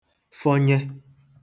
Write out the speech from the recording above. fọnye